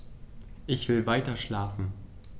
Ich will weiterschlafen.